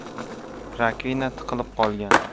rakvina tiqilib qolgan